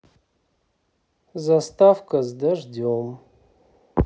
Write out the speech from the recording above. заставка с дождем